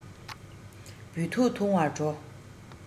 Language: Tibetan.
བོད ཐུག འཐུང བར འགྲོ